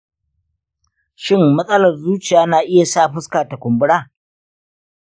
shin matsalar zuciya na iya sa fuska ta kumbura?